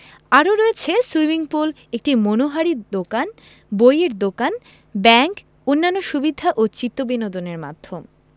আরও রয়েছে swimming pool একটি মনোহারী দোকান বইয়ের দোকান ব্যাংক অন্যান্য সুবিধা ও চিত্তবিনোদনের মাধ্যম